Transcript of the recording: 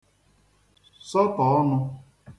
sọtọ̀ ọnụ̄